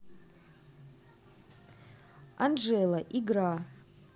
анжела игра